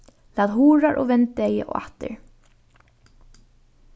lat hurðar og vindeygu aftur